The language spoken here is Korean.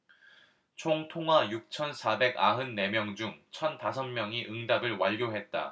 총 통화 육천 사백 아흔 네 명 중 천 다섯 명이 응답을 완료했다